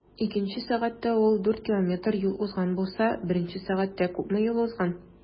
Икенче сәгатьтә ул 4 км юл узган булса, беренче сәгатьтә күпме юл узган?